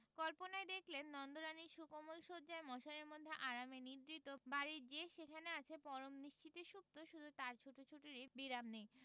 কল্পনায় দেখলেন নন্দরানী সুকোমল শয্যায় মশারির মধ্যে আরামে নিদ্রিত বাড়ির যে সেখানে আছে পরম নিশ্চিন্তে সুপ্ত শুধু তাঁর ছুটোছুটিরই বিরাম নেই